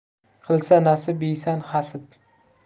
qilsa nasib yeysan hasip